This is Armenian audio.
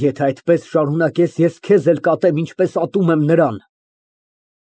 Եթե այդպես շարունակես, ես քեզ էլ կատեմ, ինչպես ատում եմ նրան։